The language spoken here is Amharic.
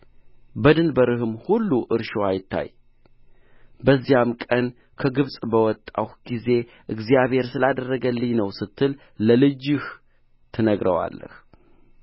በድንበርህም ሁሉ እርሾ አይታይ በዚያም ቀን ከግብፅ በወጣሁ ጊዜ እግዚአብሔር ስላደረገልኝ ነው ስትል ለልጅህ ትነግረዋለህ